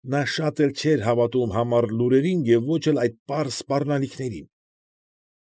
Նա շատ էլ չէր հավատում համառ լուրերին և ոչ էլ այդ պարզ սպառնալիքներին։